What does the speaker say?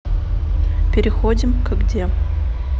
переходим к где